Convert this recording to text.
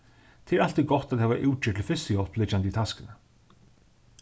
tað er altíð gott at hava útgerð til fyrstuhjálp liggjandi í taskuni